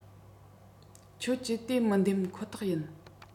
ཁྱོད ཀྱི དེ མི འདེམ ཁོ ཐག རེད